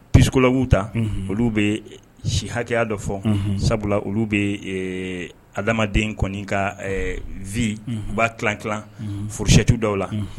Psikolawu ta olu bɛ si hakɛya dɔ fɔ sabula olu bɛ adamaden kɔni ka v u b'a kiti furusɛti dɔw la